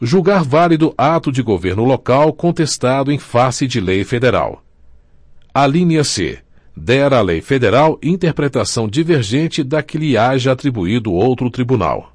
julgar válido ato de governo local contestado em face de lei federal alínea c der a lei federal interpretação divergente da que lhe haja atribuído outro tribunal